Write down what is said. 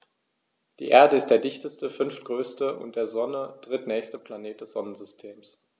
Die Erde ist der dichteste, fünftgrößte und der Sonne drittnächste Planet des Sonnensystems.